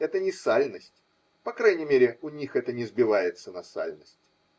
Это не сальность; по крайней мере, у них это не сбивается на сальность.